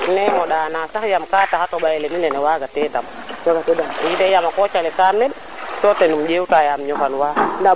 nemo ɗana sax yaam ka taxato ɓayo lene na mi waga te dam waga te dam i de yaam a koca le ka meɗ so ten i ñeew ta yaam ñofan wa